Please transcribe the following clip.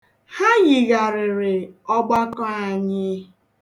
Ha yigharịrị ọgbakọ anyị.